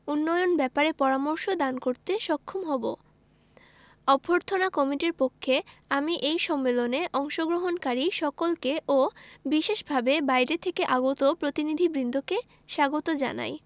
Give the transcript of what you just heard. উন্নয়ন ব্যাপারে পরামর্শ দান করতে সক্ষম হবো অভ্যর্থনা কমিটির পক্ষে আমি এই সম্মেলনে অংশগ্রহণকারী সকলকে ও বিশেষভাবে বাইরে থেকে আগত প্রতিনিধিবৃন্দকে স্বাগত জানাই